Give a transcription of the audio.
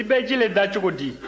i bɛ jele da cogo di